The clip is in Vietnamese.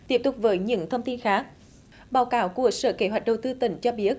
tiếp tục với những thông tin khác báo cáo của sở kế hoạch đầu tư tỉnh cho biết